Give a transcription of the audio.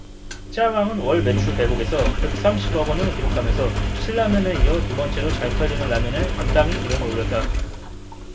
짜왕은 월 매출 백 억 에서 백 삼십 억원을 기록하면서 신라면에 이어 두번째로 잘 팔리는 라면에 당당히 이름을 올렸다